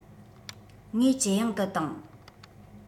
ངེས ཇེ ཡང དུ བཏང